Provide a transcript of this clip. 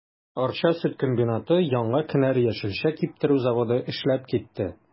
Арча сөт комбинаты, Яңа кенәр яшелчә киптерү заводы эшләп китте.